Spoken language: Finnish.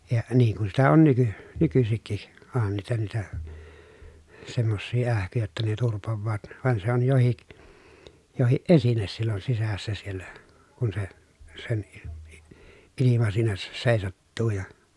ja niin kun sitä on - nykyisinkin onhan niitä niitä semmoisia ähkyjä jotta ne turpoavat vaan se on jokin jokin esine silloin sisässä siellä kun se sen -- ilma siinä - seisattuu ja